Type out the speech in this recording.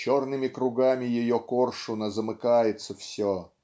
черными кругами ее коршуна замыкается все